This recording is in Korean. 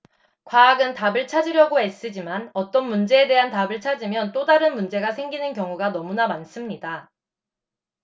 과학은 답을 찾으려고 애쓰지만 어떤 문제에 대한 답을 찾으면 또 다른 문제가 생기는 경우가 너무나 많습니다